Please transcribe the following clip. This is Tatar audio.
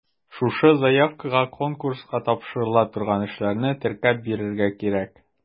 Шушы заявкага конкурска тапшырыла торган эшләрне теркәп бирергә кирәк.